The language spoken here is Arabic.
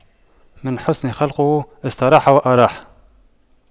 من حسن خُلُقُه استراح وأراح